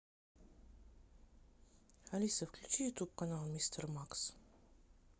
алиса включи ютюб канал мистер макс